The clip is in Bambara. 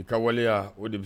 I ka waleya o de